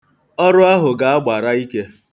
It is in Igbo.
Ọrụ ahụ ga-agbara ike.